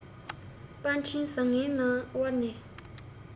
པར འཕྲིན བཟང ངན དབར ནས